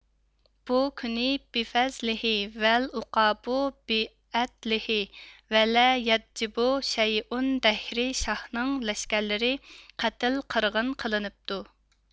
بۇ كۈنى بىفەزلىھې ۋەل ئۇقابۇ بىئەدلىھې ۋەلە يەدجىبۇ شەيئۇن دەھرىي شاھنىڭ لەشكەرلىرى قەتل قىرغىن قىلىنىپتۇ